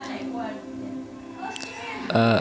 группа алиса изгой